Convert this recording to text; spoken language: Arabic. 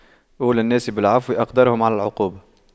أولى الناس بالعفو أقدرهم على العقوبة